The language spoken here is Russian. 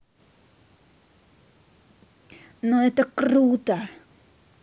ну это круто